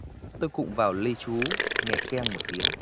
tôi cụng vào ly chú nghe keng một tiếng